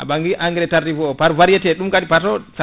a ɓanŋi engrais tardif o par variété ɗum kadi par ce